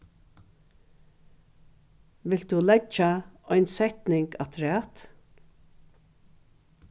vilt tú leggja ein setning afturat